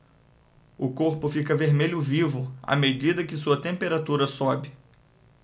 o corpo fica vermelho vivo à medida que sua temperatura sobe